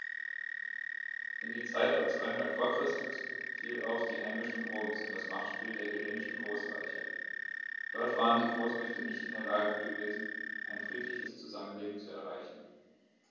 In die Zeit ab 200 v. Chr. fiel auch die Einmischung Roms in das Machtspiel der hellenistischen Großreiche: Dort waren die Großmächte nicht in der Lage gewesen, ein friedliches Zusammenleben zu erreichen.